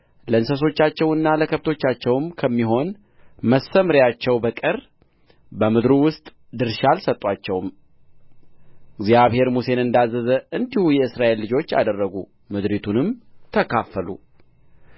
ለእንስሶቻቸውና ለከብቶቻቸውም ከሚሆን መሰምርያቸው በቀር በምድሩ ውስጥ ድርሻ አልሰጡአቸውም እግዚአብሔር ሙሴን እንዳዘዘ እንዲሁ የእስራኤል ልጆች አደረጉ ምድሪቱንም ተካፈሉ